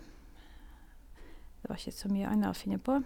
Det var ikke så mye anna å finne på.